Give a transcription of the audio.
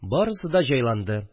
Барысы да җайланды